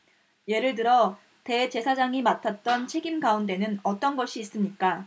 예를 들어 대제사장이 맡았던 책임 가운데는 어떤 것이 있습니까